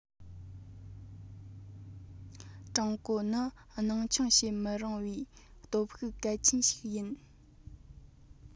ཀྲུང གོ ནི སྣང ཆུང བྱེད མི རུང བའི སྟོབས ཤུགས གལ ཆེན ཞིག ཡིན